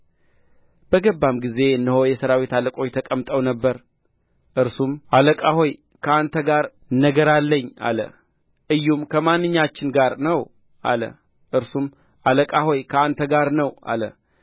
በገባም ጊዜ እነሆ የሠራዊት አለቆች ተቀምጠው ነበር እርሱም አለቃ ሆይ ከአንተ ጋር ነገር አለኝ አለ ኢዩም ከማንኛችን ጋር ነው አለ እርሱም አለቃ ሆይ ከአንተ ጋር ነው አለ